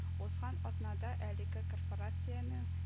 Узган атнада әлеге корпорациянең